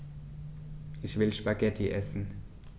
Ich will Spaghetti essen.